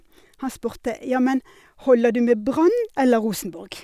Han spurte Jammen, holder du med Brann eller Rosenborg?